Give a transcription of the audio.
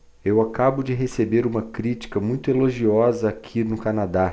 eu acabo de receber uma crítica muito elogiosa aqui no canadá